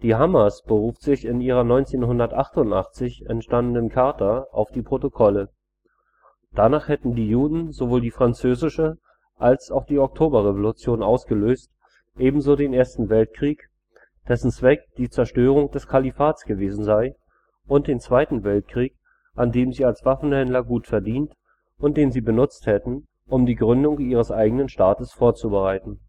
Hamas beruft sich in ihrer 1988 entstandenen Charta auf die Protokolle. Danach hätten die Juden sowohl die Französische als auch die Oktoberrevolution ausgelöst, ebenso den Ersten Weltkrieg, dessen Zweck die Zerstörung des Kalifats gewesen sei, und den Zweiten Weltkrieg, an dem sie als Waffenhändler gut verdient und den sie benutzt hätten, um die Gründung ihres eigenen Staates vorzubereiten